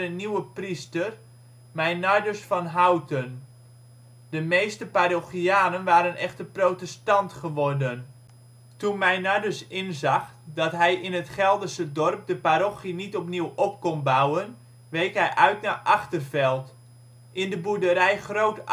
nieuwe priester: Meinardus van Houten. De meeste parochianen waren echter protestante geworden. Toen Meinardus inzag dat hij in het Gelderse dorp geen de parochie niet opnieuw op kon bouwen, week hij uit naar Achterveld. In de boerderij “Groot